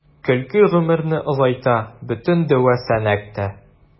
Көлке гомерне озайта — бөтен дәва “Сәнәк”тә.